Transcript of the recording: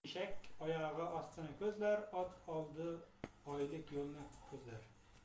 eshak oyog'i ostini ko'zlar ot olti oylik yo'lni izlar